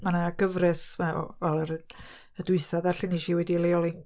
Ma' 'na gyfres 'ma o... wel yr yy y dwytha ddarllenis i wedi'i leoli.